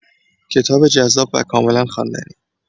کتاب جذاب و کاملا خواندنی